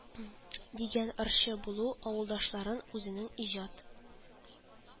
Дигән ырчы булу, авылдашларын үзенең иҗат